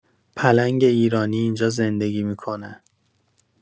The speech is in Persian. پلنگ ایرانی اینجا زندگی می‌کنه.